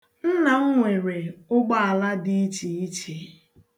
Nna m nwere ụgbọala dị ichiiche.